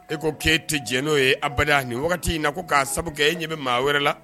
E ko k' ee tɛ n'o ye abali nin wagati in na ko ka'a sabu kɛ e ɲɛ bɛ maa wɛrɛ la